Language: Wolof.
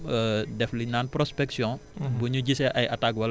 ñun dañuy wër di def liñ naan prospection